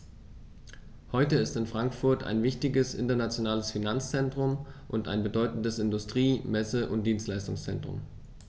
Heute ist Frankfurt ein wichtiges, internationales Finanzzentrum und ein bedeutendes Industrie-, Messe- und Dienstleistungszentrum.